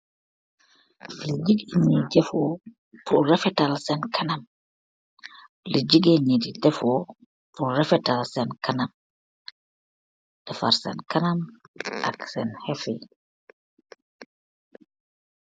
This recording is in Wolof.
li jigeeni jefoo pur refetal seen kanam li jigeeni defoo pur refetal seen kanam defar seen kanam ak seen heffi.